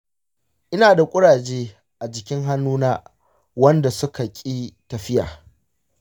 ina da kuraje a jikin hannuna waɗanda suka ƙi tafiya.